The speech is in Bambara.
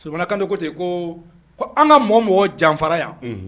Sokantɛ ko ten yen ko ko an ka mɔ mɔgɔ janfara yan